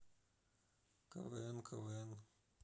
квн квн